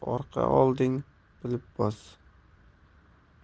orqa olding bilib bos